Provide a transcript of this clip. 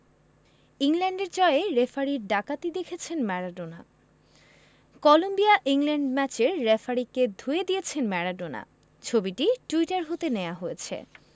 ইংল্যান্ডের জয়ে রেফারির ডাকাতি দেখেছেন ম্যারাডোনা কলম্বিয়া ইংল্যান্ড ম্যাচের রেফারিকে ধুয়ে দিয়েছেন ম্যারাডোনা ছবিটি টুইটার হতে নেয়া হয়েছে